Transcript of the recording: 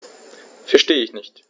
Verstehe nicht.